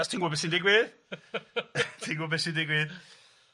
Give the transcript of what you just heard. Os ti'n gwbod be sy'n digwydd, ti'n gwbod be sy'n digwydd.